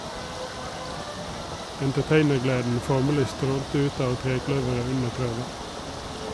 Entertainergleden formelig strålte ut av trekløveret under prøven.